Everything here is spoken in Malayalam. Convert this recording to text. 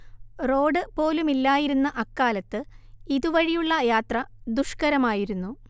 റോഡ് പോലുമില്ലായിരുന്ന അക്കാലത്ത് ഇതുവഴിയുള്ള യാത്ര ദുഷ്കരമായിരുന്നു